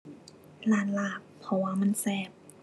ร้านลาบ เพราะว่ามันแซ่บ